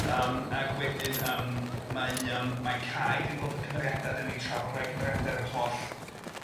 Yym ag wedyn yym mae yym mae Cai, 'dan ni'n gweld cymeriada, 'dan ni trafod rhai cymeriadau efo'r holl